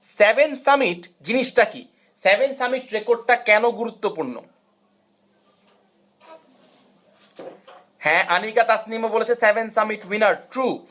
seven summit জিনিসটা কি seven summit রেকর্ডটা কেন গুরুত্বপূর্ণ হ্যাঁ আনিকা তাসনিম ও বলেছে 7 সামিট উইনার ট্রু